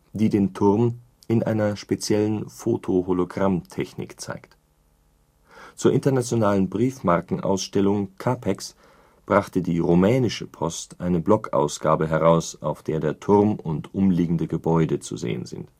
die den Turm in einer speziellen Foto-Hologrammtechnik zeigt. Zur Internationalen Briefmarkenausstellung Capex brachte die Rumänische Post eine Blockausgabe heraus, auf der der Turm und umliegende Gebäude zu sehen sind